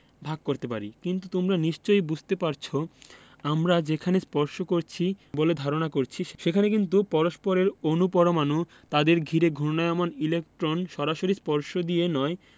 ভাগ করতে পারি কিন্তু তোমরা নিশ্চয়ই বুঝতে পারছ আমরা যেখানে স্পর্শ করছি বলে ধারণা করছি সেখানে কিন্তু পরস্পরের অণু পরমাণু তাদের ঘিরে ঘূর্ণায়মান ইলেকট্রন সরাসরি স্পর্শ দিয়ে নয়